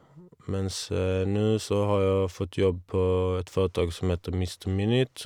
Mens nå så har jeg fått jobb på et foretak som heter Mister Minit.